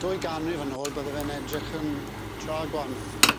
Dwy ganrif yn ôl bydde fe'n edrych yn tra gwanol.